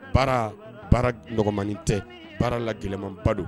Baara baara n nɔgɔmain tɛ baara la gɛlɛyamanba don